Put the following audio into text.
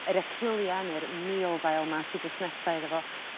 yr echillea ne'r milddail 'ma sy drws nesa iddo fo.